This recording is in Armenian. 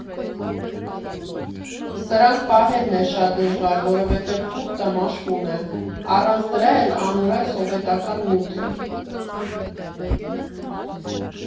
Սրանք պահելն է շատ դժվար, որովհետև թուղթը մաշվում է, առանց դրա էլ անորակ սովետական նյութ է։